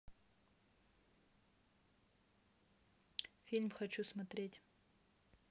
фильм хочу смотреть